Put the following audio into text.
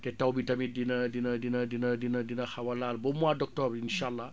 te taw bi tamit dina dina dina dina dina dina dina dia xaw a laal ba mois d' octobre insaa àllaa